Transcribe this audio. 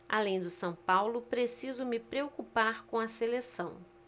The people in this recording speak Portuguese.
além do são paulo preciso me preocupar com a seleção